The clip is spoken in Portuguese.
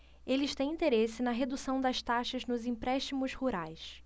eles têm interesse na redução das taxas nos empréstimos rurais